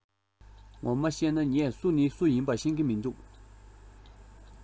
ངོ མ གཤས ན ངས སུ ནི སུ ཡིན པ ཤེས གི མི འདུག